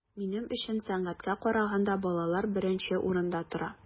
Минем өчен сәнгатькә караганда балалар беренче урында тора.